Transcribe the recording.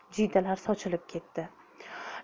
jiydalar sochilib ketdi